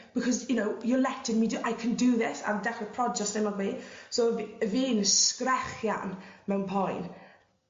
because you know you'r letting me do I can do this a ma'n dechre projo stumog fi so f- yy fi'n sgrechian mewn poen